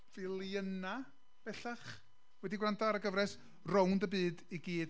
filiynnau, bellach, wedi gwrando ar y gyfres, rownd y byd i gyd.